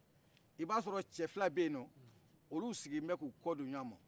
i b'a sɔrɔ cɛ fila bɛ yenɔ olu sigilen bɛ k'u kɔdon ɲɔgɔna